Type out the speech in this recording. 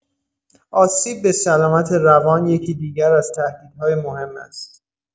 آسیب به سلامت روان یکی دیگر از تهدیدهای مهم است.